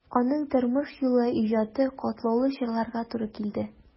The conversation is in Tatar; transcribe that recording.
Аның тормыш юлы, иҗаты катлаулы чорларга туры килде.